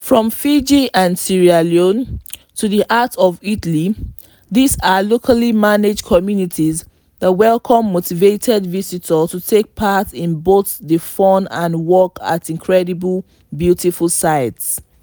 From Fiji and Sierra Leone to the heart of Italy, these are locally managed communities that welcome motivated visitors to take part in both the fun and the work at incredibly beautiful sites.